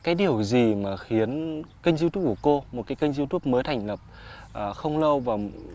cái điều gì mà khiến kênh iu tút của cô một cái kênh iu tút mới thành lập ở không lâu và